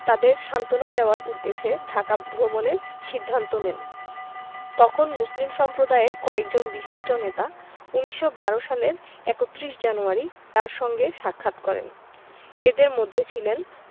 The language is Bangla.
তাদের সান্ত্বনা দেওয়ার উদ্দেশ্যে ঢাকা ভ্রমণের সিদ্ধান্ত নেন তখন মুসলিম সম্প্রদায়ের কয়েকজন বিশিষ্ট নেতা ১৯১২ সালের ৩১ জানুয়ারি তাঁর সঙ্গে সাক্ষাৎ করেন এঁদের মধ্যে ছিলেন